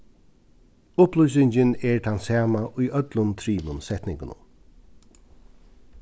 upplýsingin er tann sama í øllum trimum setningunum